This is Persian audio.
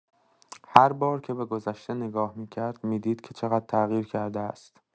هر بار که به گذشته نگاه می‌کرد، می‌دید که چقدر تغییر کرده است.